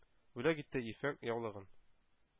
Бүләк итте ефәк яулыгын;